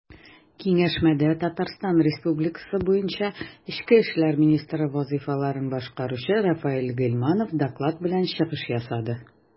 Киңәшмәдә ТР буенча эчке эшләр министры вазыйфаларын башкаручы Рафаэль Гыйльманов доклад белән чыгыш ясады.